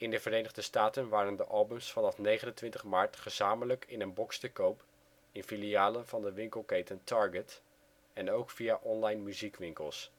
de Verenigde Staten waren de albums vanaf 29 maart gezamenlijk in een box te koop in filialen van de winkelketen Target en ook via online-muziekwinkels